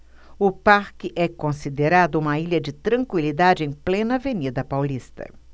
o parque é considerado uma ilha de tranquilidade em plena avenida paulista